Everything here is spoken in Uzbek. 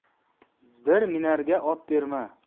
bir minarga ot berma